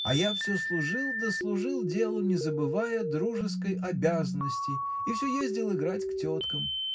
А я всё служил да служил делу, не забывая дружеской обязанности, и всё ездил играть к теткам.